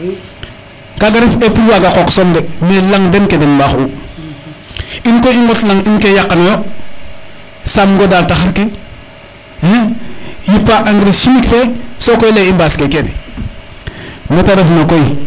kaga ref e pour waga qoox soom de mais laŋ den ke den mbaax u in koy i ngot laŋ in ke yaqano yo saam ŋoda taxar ke yipa engrais chimique fe sokoy leye i mbaas ke kene mete refna koy